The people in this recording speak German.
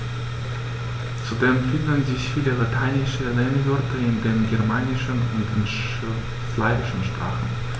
Zudem finden sich viele lateinische Lehnwörter in den germanischen und den slawischen Sprachen.